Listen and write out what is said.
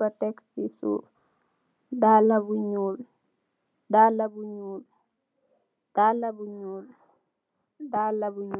ko tek ci suuf.